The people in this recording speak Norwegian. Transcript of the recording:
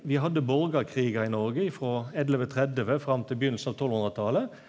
vi hadde borgarkrigar i Noreg ifrå 1130 fram til byrjinga av tolvhundretalet.